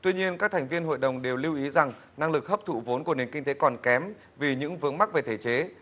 tuy nhiên các thành viên hội đồng đều lưu ý rằng năng lực hấp thụ vốn của nền kinh tế còn kém vì những vướng mắc về thể chế